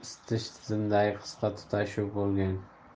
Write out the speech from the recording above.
isitish tizimidagi qisqa tutashuv bo'lgan